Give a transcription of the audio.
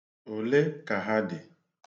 Ole ka ha dị?